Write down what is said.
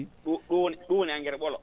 ɗum woni engrais ɓolo